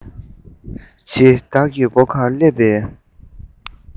འཆི བདག གི སྒོ ཁར སླེབས པའི